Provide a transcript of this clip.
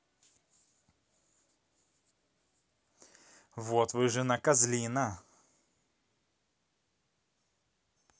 вот вы жена козлина